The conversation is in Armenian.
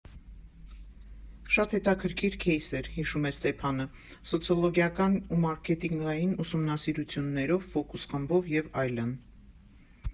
«Շատ հետաքրքիր քեյս էր, ֊ հիշում է Ստեփանը, ֊ սոցիոլոգիական ու մարքետինգային ուսումնասիրություններով, ֆոկուս֊խմբով և այլն»։